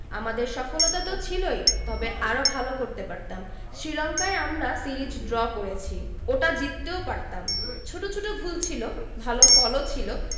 তবে আরও ভালো করতে পারতাম শ্রীলঙ্কায় আমরা সিরিজ ড্র করেছি ওটা জিততেও পারতাম ছোট ছোট ভুল ছিল ভালো ফলও ছিল